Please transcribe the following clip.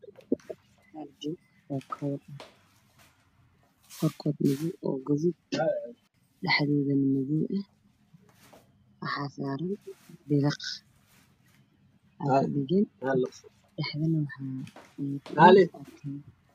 Meeshaan waxaa yaa labo kabood yahay madow guduud waxay saaran yihiin miis caddaan waana laba kabood